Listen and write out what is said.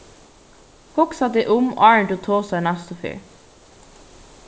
hugsa teg um áðrenn tú tosar næstu ferð